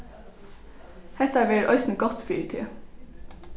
hetta verður eisini gott fyri teg